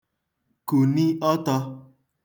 kùni ọtọ̄